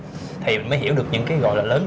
thì mới hiểu được những cái gọi là lớn